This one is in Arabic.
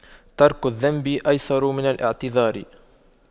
ترك الذنب أيسر من الاعتذار